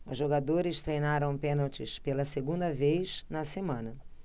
os jogadores treinaram pênaltis pela segunda vez na semana